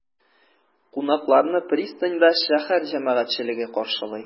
Кунакларны пристаньда шәһәр җәмәгатьчелеге каршылый.